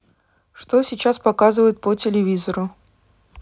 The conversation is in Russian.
что сейчас показывают по телевизору